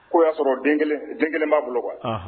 O y'a sɔrɔ den kelen b'a bolo kuwa